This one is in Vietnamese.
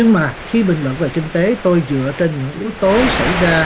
nhưng mà khi bình luận về kinh tế tôi dựa trên những yếu tố xảy ra